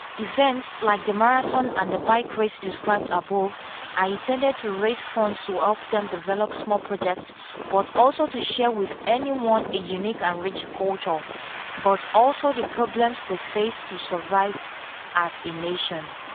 Events like the marathon and the bike race described above are intended to raise funds to help them develop small projects but also to share with anyone a unique and rich culture, but also the problems they face to survive as a nation.